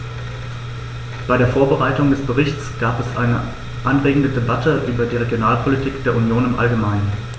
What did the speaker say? Bei der Vorbereitung des Berichts gab es eine anregende Debatte über die Regionalpolitik der Union im allgemeinen.